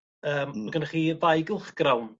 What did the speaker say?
yy... Hmm. ...ma' gynnoch chi ddau gylchgrawn